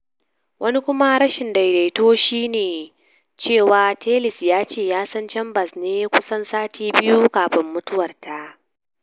Wani kuma rashin daidaito shi ne cewa Tellis ya ce ya san Chambers ne kusan sati biyu kafin mutuwar ta.